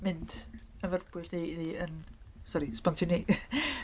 Mynd yn fyrbwyll neu neu yn... sori sbontinai...